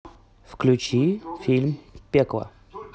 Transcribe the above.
включить фильм пекло